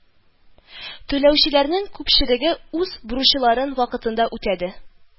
Түләүчеләрнең күпчелеге үз бурычларын вакытында үтәде